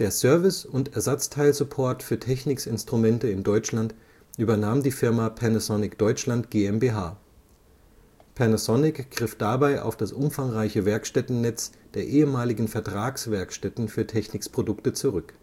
Service - und Ersatzteilsupport für Technics-Instrumente in Deutschland übernahm die Firma Panasonic Deutschland GmbH. Panasonic griff dabei auf das umfangreiche Werkstätten-Netz der ehemaligen Vertragswerkstätten für Technics-Produkte zurück